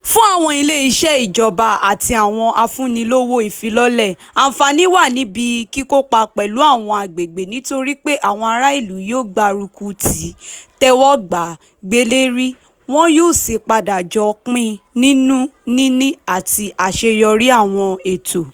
Fún àwọn ilé iṣẹ́, ìjọba, àti àwọn afúnni-lówó ìfilọ́lẹ̀, àǹfààní wà níbí kíkópa pẹ̀lú àwọn agbègbè nítorí pé àwọn ará ìlú yóò gbárùkù ti, tẹ́wọ̀ gbàá, gbée léri, wọn yóò sì padà jọ pín nínú níni àti àṣeyọrí àwọn ètò.